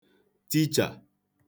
tichà